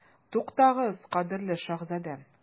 Туктагыз, кадерле шаһзадәм.